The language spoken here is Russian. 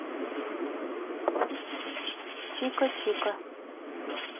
чика чика